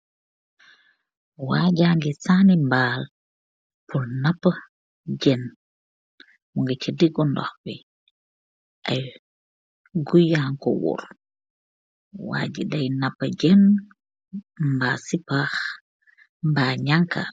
Wajangeh saani mbaal, purr napu jen, mungi chi ndigu ndoh bi. Aiy guiy yanko worr. Waaji dei napu jen, mba sipah, mba nyankarr.